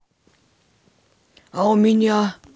а у меня